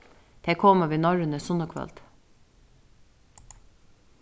tey komu við norrønu sunnukvøldið